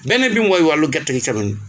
beneen bi mooy wàllu gerte gi ***